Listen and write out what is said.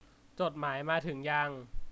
จดหมายมาถึงยัง